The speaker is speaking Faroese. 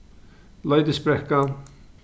leitisbrekka